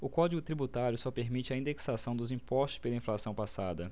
o código tributário só permite a indexação dos impostos pela inflação passada